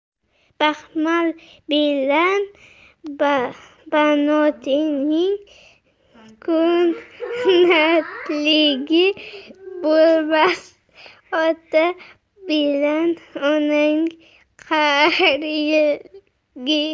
baxmal bilan banotning ko'hnaligi bo'lmas ota bilan onaning qariligi